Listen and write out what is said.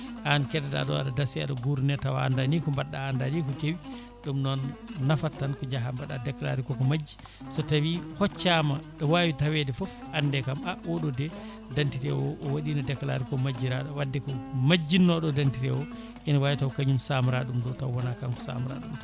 an keddoɗa ɗo aɗa daase aɗa gurne taw a anda ni ko mbaɗɗa anda ni ko keewi ɗum noon nafata tan ko jaaha mbaɗa déclaré koko majji so tawi hoccama ɗo wawi tawede foof ande kam a oɗo de d' identité o o waɗino déclaré fra ko majjiraɗo wadde ko majjinoɗo o d' identité o ene wawi taw ko kañum samra ɗum ɗon taw wona kanko samra ɗum